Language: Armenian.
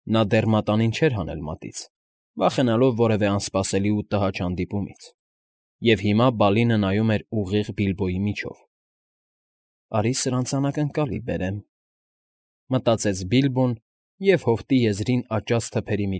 Նա դեռ մատանին չէր հանել մատից, վախենալով որևէ անսպասելի ու տհաճ հանդիպումից, և հիմա Բալինը նայում էր ուղիղ Բիլբոյի միջով։ «Արի սրանց անակնկալի բերեմ»,֊ մտածեց Բիլբոն և հովիտի եզրին աճած թփերի։